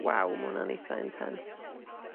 Waw ma' wnna'n eitha intense.